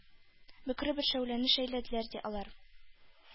Бөкре бер шәүләне шәйләделәр, ди, алар.